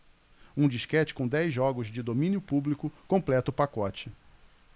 um disquete com dez jogos de domínio público completa o pacote